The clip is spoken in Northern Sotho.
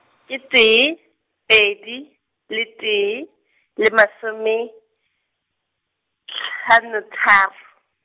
ke tee, pedi, le tee, le masome, hlano tharo.